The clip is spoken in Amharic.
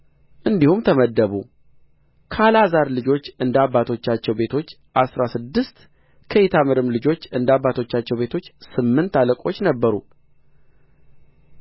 እንዲህም ተመደቡ ከአልዓዛር ልጆች እንደ አባቶቻቸው ቤቶች አሥራ ስድስት ከኢታምርም ልጆች እንደ አባቶቻቸው ቤቶች ስምንት አለቆች ነበሩ